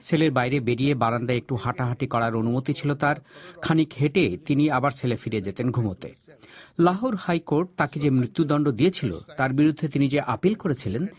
সেলের বাইরে বেরিয়ে বারান্দায় একটু হাঁটাহাঁটি করার অনুমতি ছিল তার খানিক হেঁটে তিনি আবার সেলে ফিরে যেতেন ঘুমোতে লাহোর হাইকোর্ট তাকে যে মৃত্যুদণ্ড দিয়েছিল তার বিরুদ্ধে তিনি যে আপিল করেছিলেন